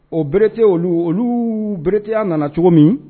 O bereerete olu olu bereteya nana cogo min